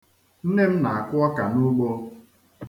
Nne m na-akụ ọka n'ugbo.